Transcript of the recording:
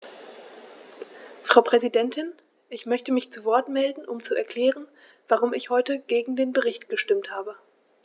Frau Präsidentin, ich möchte mich zu Wort melden, um zu erklären, warum ich heute gegen den Bericht gestimmt habe.